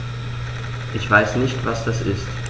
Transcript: Ich weiß nicht, was das ist.